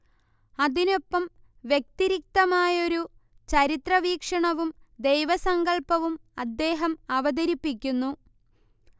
അതിനൊപ്പം വ്യതിരിക്തമായൊരു ചരിത്രവീക്ഷണവും ദൈവസങ്കല്പവും അദ്ദേഹം അവതരിപ്പിക്കുന്നു